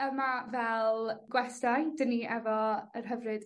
Yma fel gwestai 'dyn ni efo yr hyfryd...